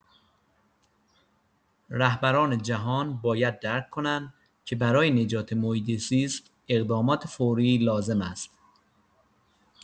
رهبران جهان باید درک کنند که برای نجات محیط‌زیست اقدامات فوری لازم است.